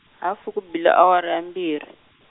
hafu ku bile awara ya mbirhi.